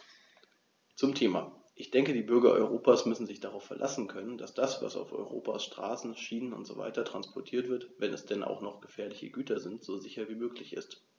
Zum Thema: Ich denke, die Bürger Europas müssen sich darauf verlassen können, dass das, was auf Europas Straßen, Schienen usw. transportiert wird, wenn es denn auch noch gefährliche Güter sind, so sicher wie möglich ist.